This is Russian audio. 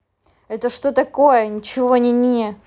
это что такое ничего не не